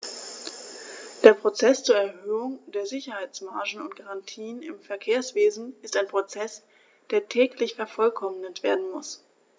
Der Prozess zur Erhöhung der Sicherheitsmargen und -garantien im Verkehrswesen ist ein Prozess, der täglich vervollkommnet werden muss.